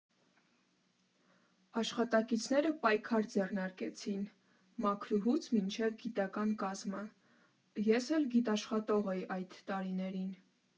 Աշխատակիցները պայքար ձեռնարկեցին՝ մաքրուհուց մինչև գիտական կազմը, ես էլ գիտաշխատող էի այդ տարիներին։